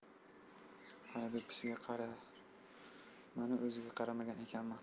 hali do'ppisiga qarapmanu o'ziga qaramagan ekanman